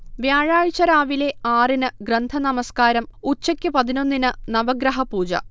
വ്യാഴാഴ്ച രാവിലെ ആറിന് ഗ്രന്ഥ നമസ്കാരം, ഉച്ചയ്ക്ക് പതിനൊന്നിന് നവഗ്രഹപൂജ